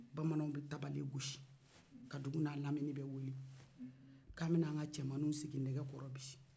bamananw bɛ tabale gosi ka dugu n'a lamini bɛɛ wele k'an bɛn'a ka cɛmaniw sigi nɛgɛ kɔrɔ bi